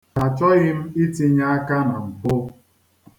Achọghị m itiinye aka na mpụ